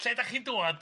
Lle 'dach chi'n dŵad?